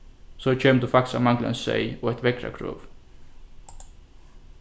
so kemur tú faktiskt at mangla ein seyð og eitt veðrakrov